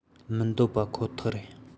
མི འདོད པ ཁོ ཐག རེད